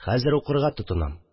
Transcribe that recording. Хәзер укырга тотынам